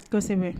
Kosɛbɛ